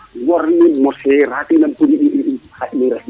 ŋor ni mosera